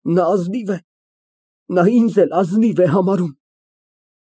Նա ազնիվ է, նա ինձ էլ ազնիվ է համարում։